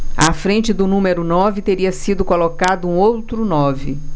à frente do número nove teria sido colocado um outro nove